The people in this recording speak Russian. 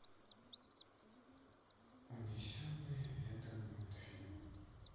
унесенные ветром мультфильм